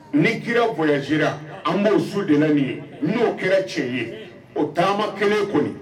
Ni g bonyasira an'o su de ye n'o kɛra tiɲɛ ye o taama kɛmɛ kɔni